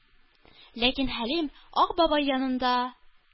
Ләкин Хәлим Ак бабай янында